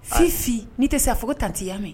Fifi n'i tɛ se a f'ɔ ko tantie ya mɛn.